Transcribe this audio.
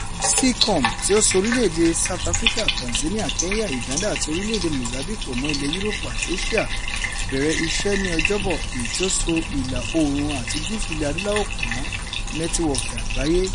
Seacom, tí ó so orílẹ̀ èdè South Africa, Tanzania, Kenya, Uganda àti orílẹ̀ èdè Mozambique pọ̀ mọ́ Ilẹ̀ Yúróòpù àti Éṣíà, bẹ̀rẹ̀ iṣẹ́ ní Ọjọ́bọ̀, èyí tí ó ń so ìlà oòrùn àti gúúsù Ilẹ̀ Adúláwò pọ̀ mọ́ nẹ́tíwọ́ọ̀kì àgbáyé.